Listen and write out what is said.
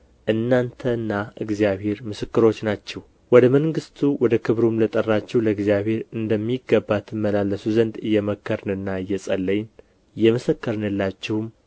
እናንተና እግዚአብሔር ምስክሮች ናችሁ ወደ መንግሥቱ ወደ ክብሩም ለጠራችሁ ለእግዚአብሔር እንደሚገባ ትመላለሱ ዘንድ እየመከርንና እያጸናን እየመሰከርንላችሁም